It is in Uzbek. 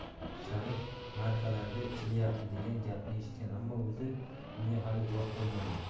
sharif ma'rakalarda ichilyapti degan gapni eshitgan ammo o'zi bunga hali guvoh bo'lmagandi